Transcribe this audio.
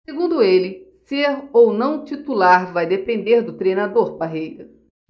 segundo ele ser ou não titular vai depender do treinador parreira